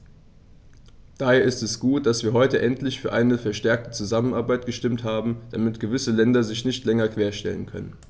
Daher ist es gut, dass wir heute endlich für eine verstärkte Zusammenarbeit gestimmt haben, damit gewisse Länder sich nicht länger querstellen können.